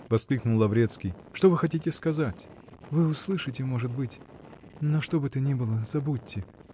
-- воскликнул Лаврецкий, -- что вы хотите сказать? -- Вы услышите, может быть. но что бы ни было, забудьте.